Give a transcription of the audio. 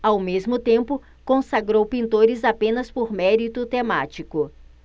ao mesmo tempo consagrou pintores apenas por mérito temático